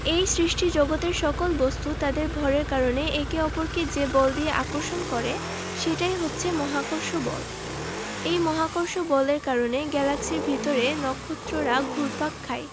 এই সৃষ্টিজগতের সকল বস্তু তাদের ভরের কারণে একে অপরকে যে বল দিয়ে আকর্ষণ করে সেটাই হচ্ছে মহাকর্ষ বল এই মহাকর্ষ বলের কারণে গ্যালাক্সির ভেতরে নক্ষত্ররা ঘুরপাক খায়